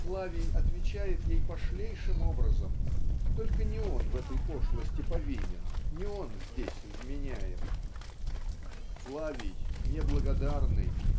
Флавий отвечает ей пошлейшим образом (только не он в этой пошлости повинен не он здесь вменяем) -- Флавий неблагодарный